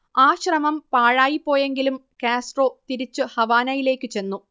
ആ ശ്രമം പാഴായിപോയെങ്കിലും കാസ്ട്രോ തിരിച്ചു ഹവാനയിലേക്കു ചെന്നു